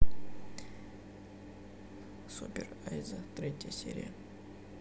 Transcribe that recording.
супер айза третья серия